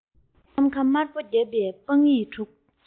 ཐམ ག དམར པོ བརྒྱབ པའི དཔང ཡིག དྲུག